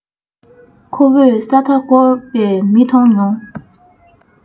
ཁོ བོས ས མཐའ བསྐོར པས མི མཐོང མྱོང